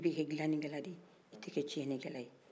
i bɛ kɛ dilanin kɛla de ye i tɛ kɛ tilalikɛla ye